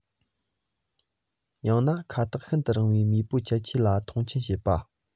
ཡང ན ཁ ཐག ཤིན ཏུ རིང བའི མེས པོའི ཁྱད ཆོས ལ མཐོང ཆེན བྱེད པ